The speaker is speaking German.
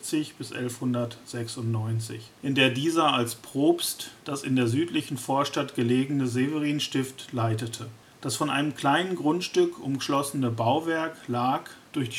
1165-1196), in der dieser als Propst das in der südlichen Vorstadt gelegene Severinstift leitete. Das von einem kleinen Grundstück umschlossene Bauwerk lag, durch